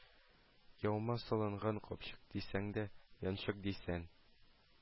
Ямау салынган капчык дисәң дә, янчык дисәң